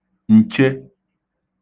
ǹche